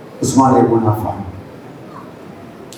Sumaworo bɔra faamu